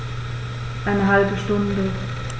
Eine halbe Stunde